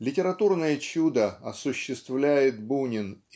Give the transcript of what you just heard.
Литературное чудо осуществляет Бунин